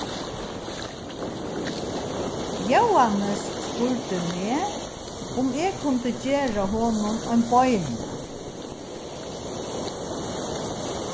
jóannes spurdi meg um eg kundi gera honum ein beina